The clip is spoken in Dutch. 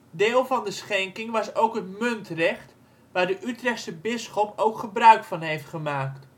Deel van de schenking was ook het muntrecht, waar de Utrechtse bisschop ook gebruik van heeft gemaakt